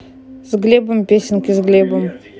с глебом песенки с глебом